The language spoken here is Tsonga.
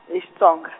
hi Xitsonga.